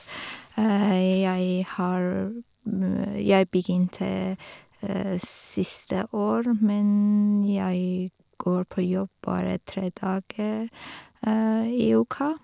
jeg har Jeg begynte siste år, men jeg går på jobb bare tre dager i uka.